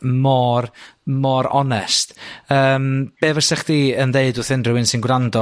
mor, mor onest, yym, be' fysach chdi yn deud wrth unryw un sy'n gwrando